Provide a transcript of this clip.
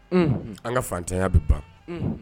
An ka fatanya bi ban.